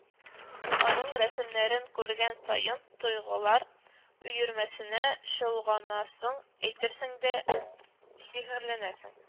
Аның рәсемнәрен күргән саен тойгылар өермәсенә чолганасың, әйтерсең лә, сихерләнәсең